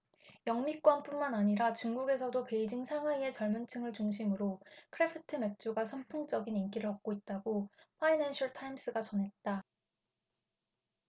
영미권뿐만 아니라 중국에서도 베이징 상하이의 젊은층을 중심으로 크래프트 맥주가 선풍적인 인기를 얻고 있다고 파이낸셜타임스가 전했다